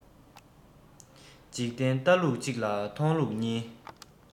འཇིག རྟེན ལྟ ལུགས གཅིག ལ མཐོང ལུགས གཉིས